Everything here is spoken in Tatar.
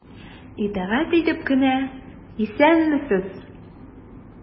Итагать итеп кенә:— Исәнмесез!